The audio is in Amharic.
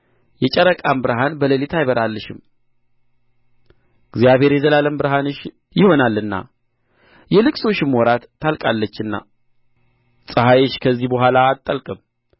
የጨረቃም ብርሃን በሌሊት አይበራልሽም እግዚአብሔር የዘላለም ብርሃንሽ ይሆናልና የልቅሶሽም ወራት ታልቃለችና ፀሐይሽ ከዚያ በኋላ አትጠልቅም